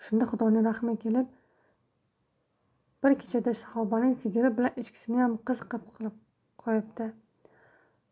shunda xudoning rahmi kelib bir kechada saxobaning sigiri bilan echkisiniyam qiz qilib qo'yibdi